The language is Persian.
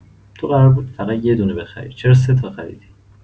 تو قرار بود فقط یه دونه بخری، چرا سه‌تا خریدی؟